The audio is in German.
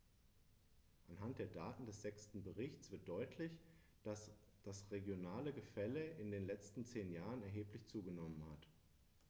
Anhand der Daten des sechsten Berichts wird deutlich, dass das regionale Gefälle in den letzten zehn Jahren erheblich zugenommen hat.